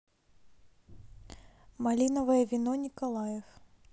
малиновое вино николаев